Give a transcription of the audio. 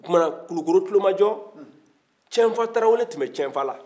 o tuma kulukɔrɔ tulomajɔ cɛnfa taarawele tun bɛ cɛnfala